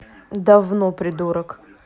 давно придурок